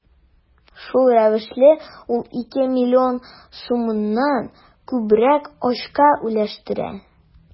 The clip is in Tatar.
Шул рәвешле ул ике миллион сумнан күбрәк акча үзләштерә.